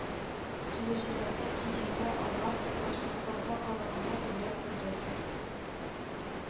Килешүләргә килгәндә, алар каршылыкларга караганда күбрәк булды